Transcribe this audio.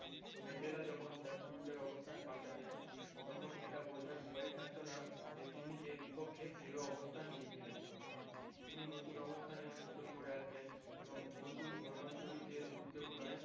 Mandela যখন তাঁর পূর্বের অবস্থান পাল্টাতেন তখন এটা বোঝার উপায়ই থাকত না যে তিনি এর বিপক্ষে দৃঢ় অবস্থান নিয়েছিলেন তিনি নতুন অবস্থানে দ্রুত সরে আসতেন এবং নতুন ধর্মান্তরিতের উদ্দীপনায়